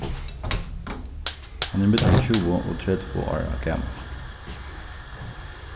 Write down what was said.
hann er millum tjúgu og tretivu ára gamal